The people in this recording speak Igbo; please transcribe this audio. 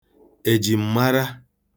èjìm̀mara